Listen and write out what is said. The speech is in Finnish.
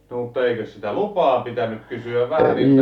no mutta eikös sitä lupaa pitänyt kysyä vähän niiltä